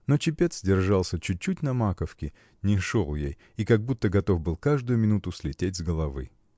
но чепец держался чуть-чуть на маковке, не шел ей и как будто готов был каждую минуту слететь с головы.